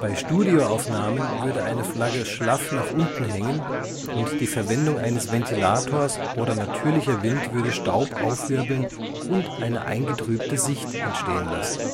Studioaufnahmen würde eine Flagge schlaff nach unten hängen und die Verwendung eines Ventilators oder natürlicher Wind würde Staub aufwirbeln und eine eingetrübte Sicht entstehen lassen